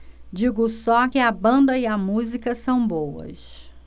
digo só que a banda e a música são boas